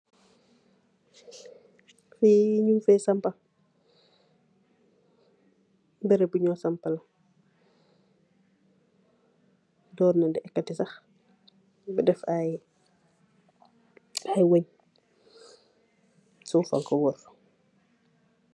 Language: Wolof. Behrep bunyew sampa .